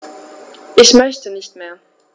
Ich möchte nicht mehr.